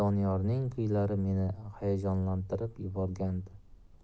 meni hayajonlantirib yuborgandi